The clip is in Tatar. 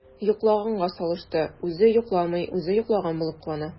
“йоклаганга салышты” – үзе йокламый, үзе йоклаган булып кылана.